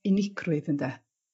unigrwydd ynde?